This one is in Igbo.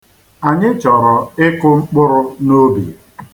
Anyị chọrọ ịkụ mkpụrụ n'ubi.